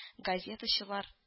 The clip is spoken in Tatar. Газетачылар